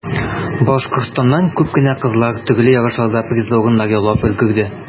Башкортстаннан күп кенә кызлар төрле ярышларда призлы урыннар яулап өлгерде.